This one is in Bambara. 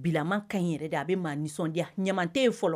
Bilama ka ɲi yɛrɛ de a bɛ maa nisɔndiya ɲaman tɛ yen fɔlɔ